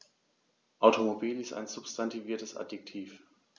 Automobil ist ein substantiviertes Adjektiv.